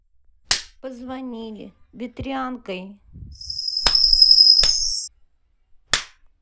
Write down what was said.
позвонили ветрянкой